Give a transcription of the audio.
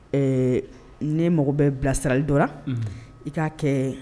Ee ne mago bɛ bilasirali dɔ la i kaa kɛ